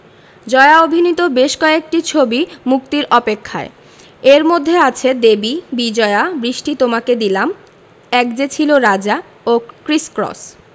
জয়া অভিনীত বেশ কয়েকটি ছবি মুক্তির অপেক্ষায় এর মধ্যে আছে দেবী বিজয়া বৃষ্টি তোমাকে দিলাম এক যে ছিল রাজা ও ক্রিস ক্রস